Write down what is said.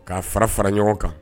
K'a fara fara ɲɔgɔn kan